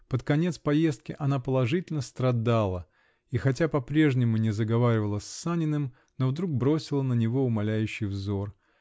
под конец поездки она положительно страдала и хотя по-прежнему не заговаривала с Саниным, но вдруг бросила на него умоляющий взор.